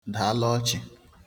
da l'ọchị̀̄